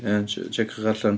Ia? tsie- tsieciwch o allan.